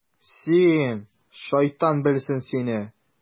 Син, шайтан белсен сине...